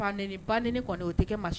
Fa ni ba ni kɔni o tɛ ma